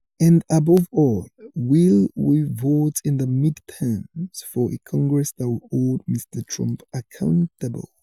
And above all, will we vote in the midterms for a Congress that will hold Mr. Trump accountable?